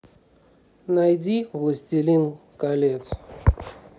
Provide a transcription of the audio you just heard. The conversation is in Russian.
найди властелин колец